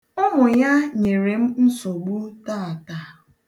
Ụmụ ya nyere m nsogbu taata.